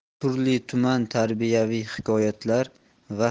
turli tuman tarbiyaviy hikoyatlar va